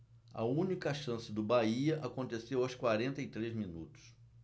a única chance do bahia aconteceu aos quarenta e três minutos